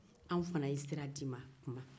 an fana ye sira di i ma kuma